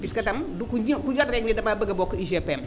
puisque tam du ku jot rek ne damaa bëgg a bokk UGPM